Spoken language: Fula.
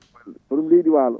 hono leydi waalo